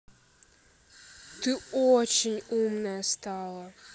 ты очень умная стала